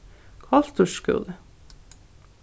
kolturs skúli